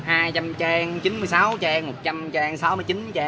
hai trăm trang chín mươi sáu trang một trăm trang sáu mươi chín trang